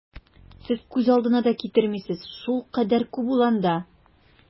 Сез күз алдына да китермисез, шулкадәр күп ул анда!